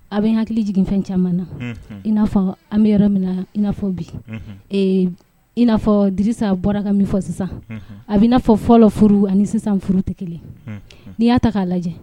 A bɛ hakili jiginfɛn caman na i n'a fɔ an bɛ yɔrɔ min na i n'a fɔ bi i'afɔ di bɔra ka min fɔ sisan a bɛ n'a fɔ fɔ furu ani sisan furu tɛ kelen n'i y'a ta k'a lajɛ